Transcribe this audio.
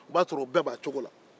o b'a sɔrɔ o bɛɛ b'a cogo la